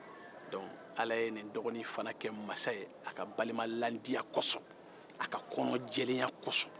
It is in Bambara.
ala ye ni dɔgɔnin ke masa ye a ka balimaladiya ni kɔnɔjɛlenya kosɔn